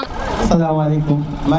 salamaley kum